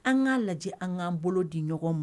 An k'a lajɛ an k'an bolo di ɲɔgɔn ma